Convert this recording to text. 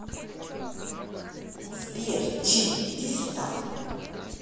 сбер чи иди сюда